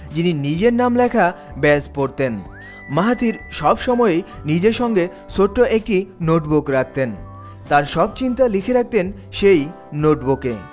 যিনি নিজের নাম লেখা ব্যাজ পরতেন মাহাথির সব সময় নিজের সঙ্গে ছোট একটা নোটবুক রাখতেন তার সব চিন্তা লিখে রাখতেন সেই নোটবুকে